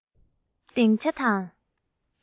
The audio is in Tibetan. གདེང ཆ དང